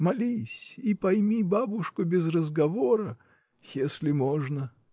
Молись — и пойми бабушку без разговора. если можно.